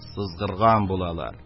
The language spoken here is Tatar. Сызгырган булалар.